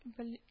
Бел